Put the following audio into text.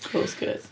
Cool skirt.